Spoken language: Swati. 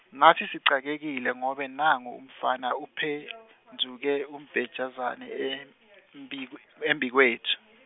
natsi sicakekile ngobe nangu umfana uphendvuke umbhejazane embikwe embikwetfu.